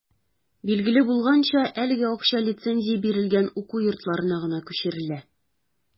Билгеле булганча, әлеге акча лицензия бирелгән уку йортларына гына күчерелә.